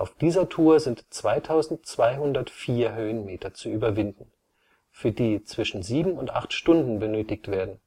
dieser Tour sind 2204 Höhenmeter zu überwinden, für die zwischen sieben und acht Stunden benötigt werden